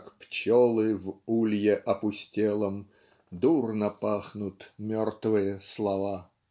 Как пчелы в улье опустелом Дурно пахнут мертвые слова.